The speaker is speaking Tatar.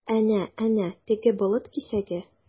Әнә-әнә, теге болыт кисәге?